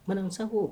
Banasa ko